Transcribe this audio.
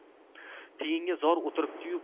tiyinga zor o'tiribdi yu